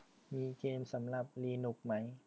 มีเกมสำหรับลีนุกซ์ไหม